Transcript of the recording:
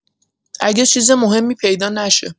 اگه چیز مهمی پیدا نشه.